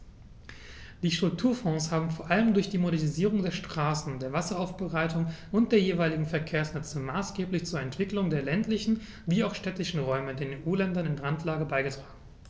Die Strukturfonds haben vor allem durch die Modernisierung der Straßen, der Wasseraufbereitung und der jeweiligen Verkehrsnetze maßgeblich zur Entwicklung der ländlichen wie auch städtischen Räume in den EU-Ländern in Randlage beigetragen.